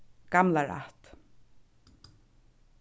gamlarætt